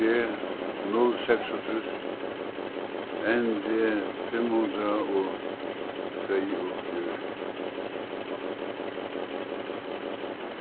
t null seksogtrýss n d og tveyogfjøruti